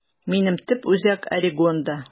Минем төп үзәк Орегонда.